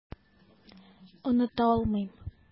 Оныта алмыйм.